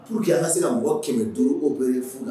Pour que an ka se ka mɔgɔ 500 obéit fu la